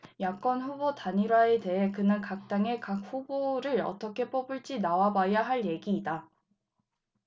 야권후보 단일화에 대해 그는 각당의 각 후보를 어떻게 뽑을지 나와봐야 할 얘기다